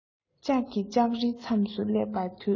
ལྕགས ཀྱི ལྕགས རིའི མཚམས སུ སླེབས པའི དུས